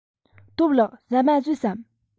སྟོབས ལགས ཟ མ ཟོས སམ